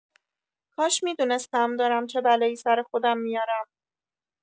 کاش می‌دونستم دارم چه بلایی سر خودم می‌آرم.